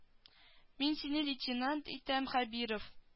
Мин сине лейтенант итәм хәбиров